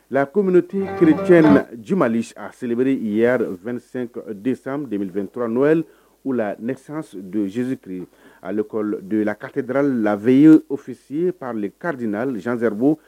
La comti kiiric in na ji ma a selenb yari2 de de02 dɔrɔn n'o u la donso zzsiur ale donɛlɛ hakɛted laeye ofisi ye parl kadi na zzeribu